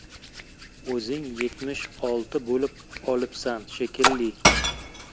o'zing yetmish olti bo'lib olibsan shekilli